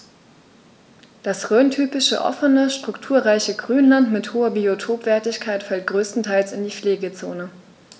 Das rhöntypische offene, strukturreiche Grünland mit hoher Biotopwertigkeit fällt größtenteils in die Pflegezone.